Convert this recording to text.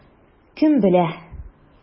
Кем белә?